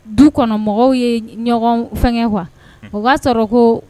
Du kɔnɔ mɔgɔw ye ɲɔgɔn fɛn kuwa o b'a sɔrɔ ko